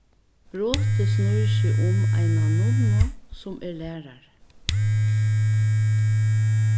brotið snýr seg um eina nunnu sum er lærari